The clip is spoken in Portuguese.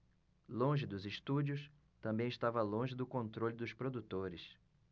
longe dos estúdios também estava longe do controle dos produtores